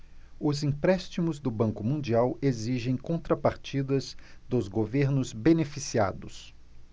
os empréstimos do banco mundial exigem contrapartidas dos governos beneficiados